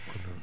ko noon